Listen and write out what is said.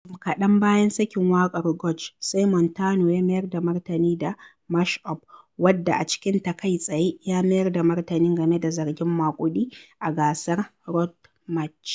Jim kaɗan bayan sakin waƙar George, sai Montano ya mayar da martani da "Dr. Mashup", wadda a cikinta kai tsaye ya mayar da martani game da zargin maguɗi a gasar Road March